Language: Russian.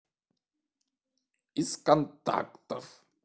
из контактов